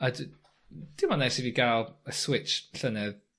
a di- dim ond ers i fi ga'l y Switch llynedd